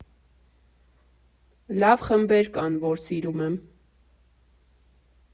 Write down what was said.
«Լավ խմբեր կան, որ սիրում եմ.